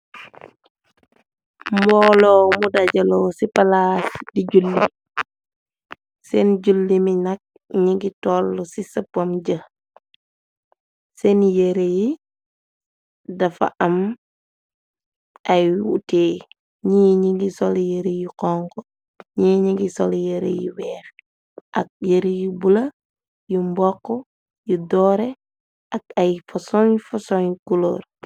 Mbooloo mu dajaloo ci palaas di julli seen julli mi nak ningi toll ci sëpam jë seen yëre yi dafa am ay wuutee ñi ni ngi soli yëre yi konku ñi ni ngi soli yëre yi weex ak yëre yi bula yu mbokk yu doore ak ay foson foson kuloor.